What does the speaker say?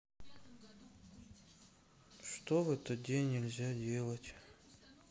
что в этот день нельзя делать